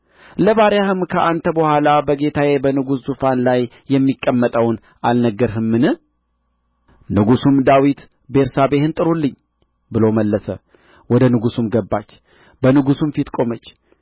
ለባሪያህም ከአንተ በኋላ በጌታዬ በንጉሡ ዙፋን ላይ የሚቀመጠውን አልነገርህምን ንጉሡም ዳዊት ቤርሳቤህን ጥሩልኝ ብሎ መለሰ ወደ ንጉሡም ገባች በንጉሡም ፊት ቆመች